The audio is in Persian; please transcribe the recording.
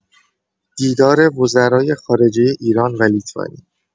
دیدار وزرای خارجه ایران و لیتوانی